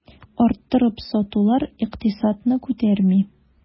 Арттырып сатулар икътисадны күтәрми.